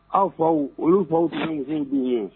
Aw faw, olu faw sinsin b'i ye